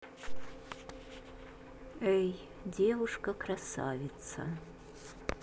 эй девушка красавица